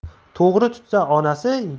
to'g'ri tutsa onasi